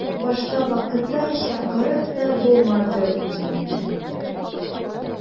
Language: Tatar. Башка вакытта чакырып та булмады үзеңне.